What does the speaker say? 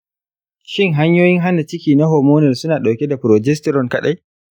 shin hanyoyin hana ciki na hormonal suna ɗauke da progesterone kaɗai?